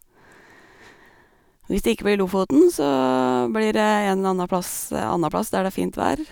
Hvis det ikke blir Lofoten, så blir det en eller anna plass anna plass, der det er fint vær.